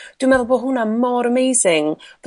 dwi meddwl bod hwnna mor amazing bo'